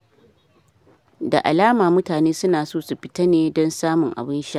Da alama mutane su na so su fita ne don samun abun sha.